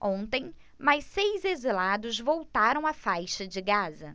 ontem mais seis exilados voltaram à faixa de gaza